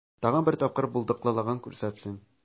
Җибәрмә...